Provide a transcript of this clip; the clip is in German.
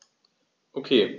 Okay.